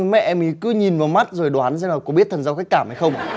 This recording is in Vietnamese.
mẹ em ý cứ nhìn vào mắt rồi đoán xem là có biết thần giao cách cảm hay không à